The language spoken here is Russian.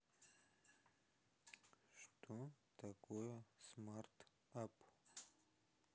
что такое смарт ап